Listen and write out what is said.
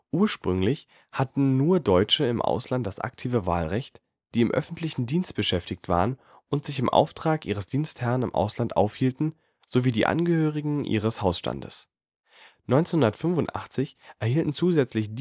Ursprünglich hatten nur Deutsche im Ausland das aktive Wahlrecht, die im öffentlichen Dienst beschäftigt waren und sich im Auftrag ihres Dienstherren im Ausland aufhielten sowie die Angehörigen ihres Hausstandes. 1985 erhielten zusätzlich